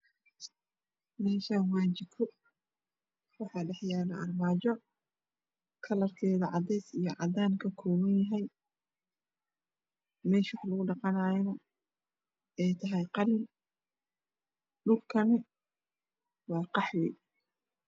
Halkan waa jiko waxaa dhax yalo armajo kalar kedu yahay cadan iyo cadees dirbigan waa cadan dhulka hosan waa dahabi